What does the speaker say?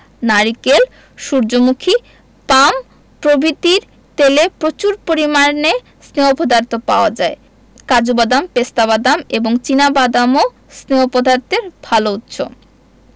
নারকেল সুর্যমুখী পাম প্রভৃতির তেলে প্রচুর পরিমাণে স্নেহ পদার্থ পাওয়া যায় কাজু বাদাম পেস্তা বাদাম এবং চিনা বাদামও স্নেহ পদার্থের ভালো উৎস